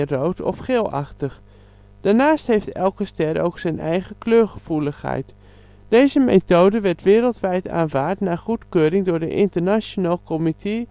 rood of geelachtig. Daarnaast heeft elke film ook zijn eigen kleurgevoeligheid. Deze methode werd wereldwijd aanvaard na goedkeuring door de International Committee